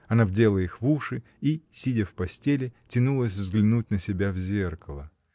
Она вдела их в уши и, сидя в постели, тянулась взглянуть на себя в зеркало.